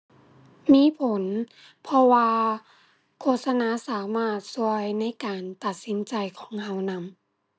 มีผล เพราะว่าโฆษณาสามารถช่วยในการตัดสินใจของช่วยนำ